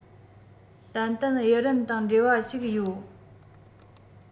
ཏན ཏན དབྱི རན དང འབྲེལ བ ཞིག ཡོད